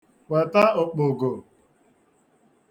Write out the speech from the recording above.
weta okpogo